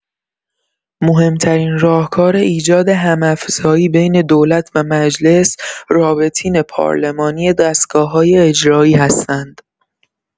مهم‌ترین راهکار ایجاد هم‌افزایی بین دولت و مجلس رابطین پارلمانی دستگاه‌های اجرایی هستند.